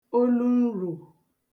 olu nrò